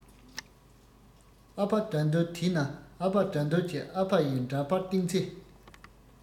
ཨ ཕ དགྲ འདུལ དེ ན ཨ ཕ དགྲ འདུལ གྱི ཨ ཕ ཡི འདྲ པར སྟེང ཚེ